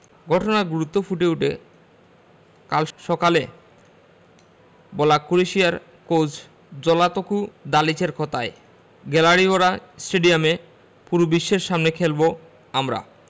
ঘটনার গুরুত্ব ফুটে ওঠে কাল সকালে বলা ক্রোয়েশিয়ার কোচ জ্লাতকো দালিচের কথায় গ্যালারিভরা স্টেডিয়ামে পুরো বিশ্বের সামনে খেলব আমরা